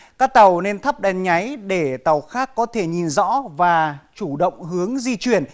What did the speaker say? các tàu nên thắp đèn nháy để tàu khác có thể nhìn rõ và chủ động hướng di chuyển